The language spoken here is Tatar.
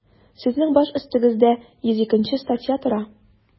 Сезнең баш өстегездә 102 нче статья тора.